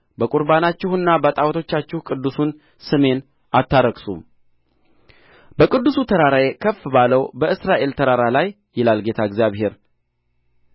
በቍርባናችሁና በጣዖቶቻችሁ ቅዱሱን ስሜን አታረክሱም በቅዱሱ ተራራዬ ከፍ ባለው በእስራኤል ተራራ ላይ ይላል ጌታ እግዚአብሔር